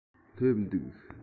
སླེབས འདུག